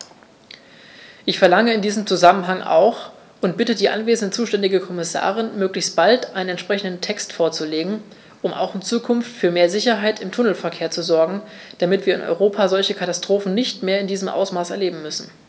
Ich verlange in diesem Zusammenhang auch und bitte die anwesende zuständige Kommissarin, möglichst bald einen entsprechenden Text vorzulegen, um auch in Zukunft für mehr Sicherheit im Tunnelverkehr zu sorgen, damit wir in Europa solche Katastrophen nicht mehr in diesem Ausmaß erleben müssen!